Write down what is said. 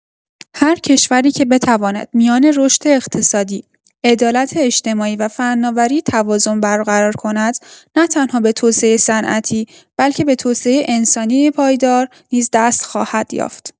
هر کشوری که بتواند میان رشد اقتصادی، عدالت اجتماعی و فناوری توازن برقرار کند، نه‌تنها به توسعۀ صنعتی، بلکه به توسعۀ انسانی پایدار نیز دست خواهد یافت.